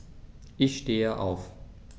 Ich stehe auf.